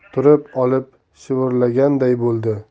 turib olib shivirlaganday bo'ldi